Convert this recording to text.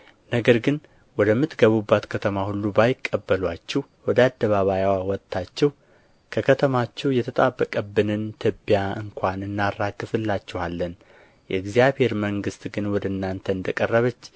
ነገር ግን ወደምትገቡባት ከተማ ሁሉ ባይቀበሉአችሁ ወደ አደባባይዋ ወጥታችሁ ከከተማችሁ የተጣበቀብንን ትቢያ እንኳን እናራግፍላችኋለን የእግዚአብሔር መንግሥት ግን ወደ እናንተ እንደ ቀረበች